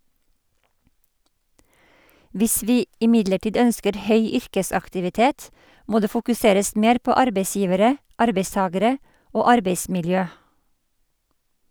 Hvis vi imidlertid ønsker høy yrkesaktivitet, må det fokuseres mer på arbeidsgivere, arbeidstagere og arbeidsmiljø.